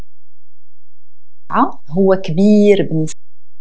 هو كبير